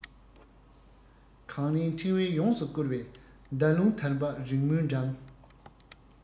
གངས རིའི འཕྲེང བས ཡོངས སུ བསྐོར བའི ཟླ ཀླུང དལ འབབ རིང མོས འགྲམ